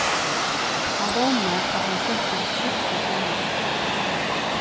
hann vónar at hann sleppur til skips í summar